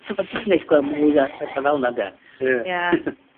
'Sa fe jyst yn neis gweld mwy a, a 'the fel 'na ynde? Ie. Ie.